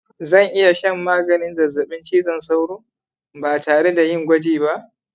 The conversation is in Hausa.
zan iya shan maganin zazzabin cizon sauro ba tare da yin gwaji ba